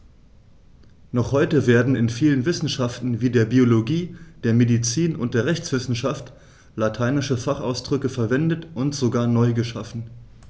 Noch heute werden in vielen Wissenschaften wie der Biologie, der Medizin und der Rechtswissenschaft lateinische Fachausdrücke verwendet und sogar neu geschaffen.